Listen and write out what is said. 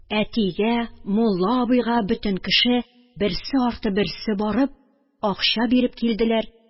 Әтигә, мулла абыйга бөтен кеше, берсе арты берсе барып, акча биреп килделәр.